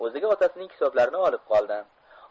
oziga otasining kitoblarini olib qoldi